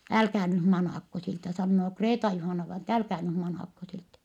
älkää nyt manatko siltä sanoo Kreeta-Juhana-vainaja että älkää nyt manatko siltä